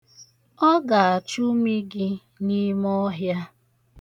Ọ ga-achụmi gị n'ime ọhịa.